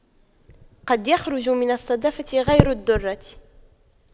قد يخرج من الصدفة غير الدُّرَّة